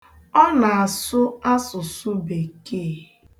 Ọ na-asụ asụsụ Bekee.